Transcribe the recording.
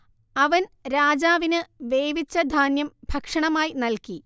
അവൻ രാജാവിന് വേവിച്ച ധാന്യം ഭക്ഷണമായി നൽകി